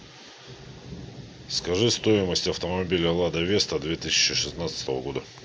скажи стоимость автомобиля лада веста две тысячи шестнадцатого года